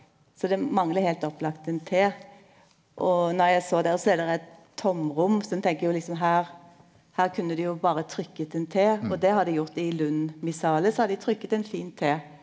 så det manglar heilt opplagt ein T og når eg såg der så er der eit tomrom så ein tenker jo liksom her her kunne dei jo berre trykt ein T og det har dei gjort i Lund Missale så har dei trykt ein fin T.